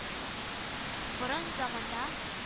Борын заманда